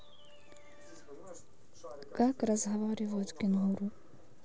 как разговаривают кенгуру